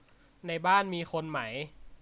ในบ้านมีคนไหม